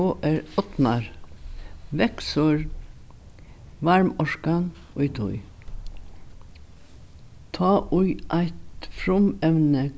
o r ornar veksur í tí tá ið eitt frumevni